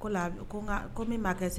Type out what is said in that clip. K'o la ko ŋa ko min maa kɛ s